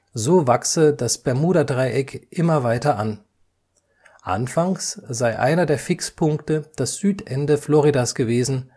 So wachse das Bermudadreieck immer weiter an: Anfangs sei einer der Fixpunkte das Südende Floridas gewesen